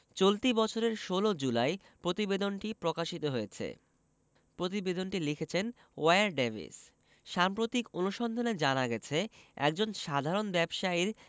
চলতি বছরের ১৬ জুলাই প্রতিবেদনটি প্রকাশিত হয়েছে প্রতিবেদনটি লিখেছেন ওয়্যার ডেভিস সাম্প্রতিক অনুসন্ধানে জানা গেছে একজন সাধারণ ব্যবসায়ীর